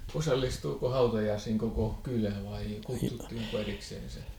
osallistuiko hautajaisiin koko kylä vaikka kutsuttiinko eriksensä